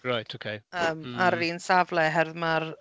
Reit ok mm... Yym ar yr un safle oherwydd ma'r...